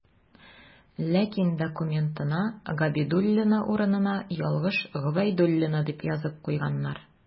Ләкин документына «Габидуллина» урынына ялгыш «Гобәйдуллина» дип язып куйганнар.